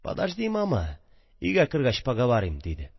– подожди, мама, өйгә кергәч поговорим, – диде